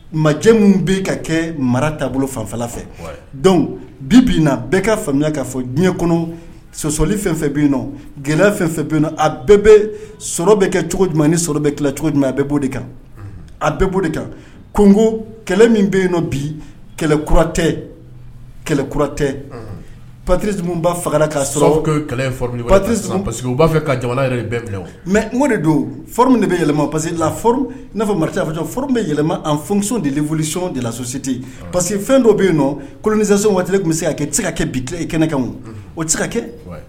Majɛ minnu bɛ ka kɛ mara taabolo fan fɛ dɔnku bi bɛɛ ka faamuya k'a fɔ diɲɛ kɔnɔ sososɔli fɛn fɛn bɛ yen nɔ gɛlɛya fɛn fɛn bɛ yen a bɛɛ bɛ sɔrɔ bɛ kɛ cogo jumɛn ni sɔrɔ bɛ cogo jumɛn a bɛ de kan a bɛɛ de kan kogo kɛlɛ min bɛ yen nɔ bi kɛlɛ kuratɛ kɛlɛ kuratɛ pariba faga k'a sɔrɔ b'a bila mɛ o de don min de bɛ yɛlɛma parce la n'a fɔ marifa bɛ yɛlɛma fɔmuso desi de la sososite pa fɛn dɔ bɛ yen kolonzson waati tun bɛ se ka kɛ se ka kɛ bi i kɛnɛ o tɛ ka kɛ